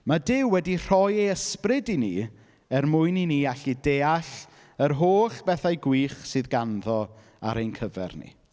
Mae Duw wedi rhoi ei ysbryd i ni er mwyn i ni allu deall yr holl bethau gwych sydd ganddo ar ein cyfer ni.